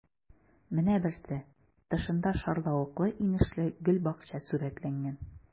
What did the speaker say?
Менә берсе: тышында шарлавыклы-инешле гөлбакча сурәтләнгән.